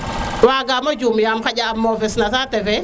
wa gaamo juum yama mofes na sate fe